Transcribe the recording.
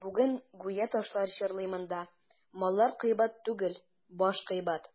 Бүген гүя ташлар җырлый монда: «Маллар кыйбат түгел, баш кыйбат».